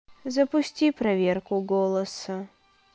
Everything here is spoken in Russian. запусти проверку голоса